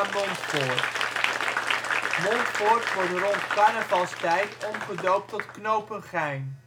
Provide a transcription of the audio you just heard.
Montfoort. Montfoort wordt rond carnavalstijd omgedoopt tot Knopengein